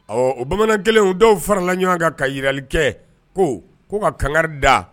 Ɔ bamanan kelen dɔw farala ɲɔgɔn kan ka jirali kɛ ko k ko ka kanga da